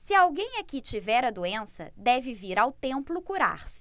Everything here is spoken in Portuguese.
se alguém aqui tiver a doença deve vir ao templo curar-se